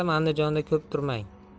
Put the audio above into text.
andijonda ko'p turmang